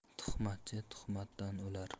tuhmatchi tuhmatdan o'lar